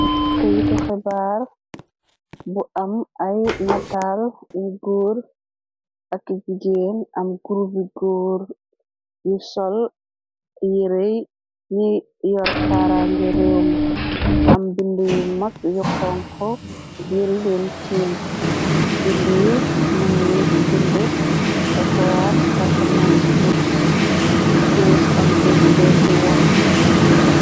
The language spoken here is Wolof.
Keyytu xebaar bu am ay nataal yu góor aki jigéen. Am grobi góor yu sol yirey new yorkkara ngi réew mi. Am bind yi mag yu xonk nyun leen teem. Bind yi mëngi bind ecowas recommends trup stase on j21.